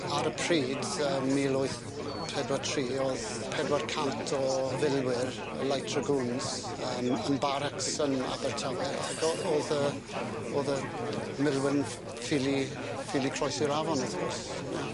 Ar y pryd yym mil wyth pedwar tri o'dd pedwar cant o filwyr y light dragoons yym yn barracks yn Abertawe ag o- o'dd yy o'dd y milwyr 'n ff- ffili ffili croesi'r afon wrth gwrs ie.